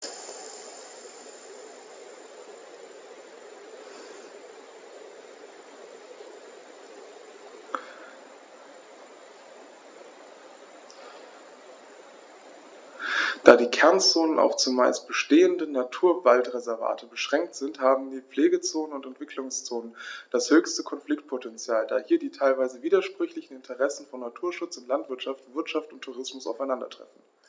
Da die Kernzonen auf – zumeist bestehende – Naturwaldreservate beschränkt sind, haben die Pflegezonen und Entwicklungszonen das höchste Konfliktpotential, da hier die teilweise widersprüchlichen Interessen von Naturschutz und Landwirtschaft, Wirtschaft und Tourismus aufeinandertreffen.